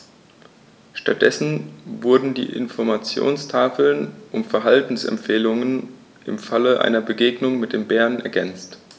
Stattdessen wurden die Informationstafeln um Verhaltensempfehlungen im Falle einer Begegnung mit dem Bären ergänzt.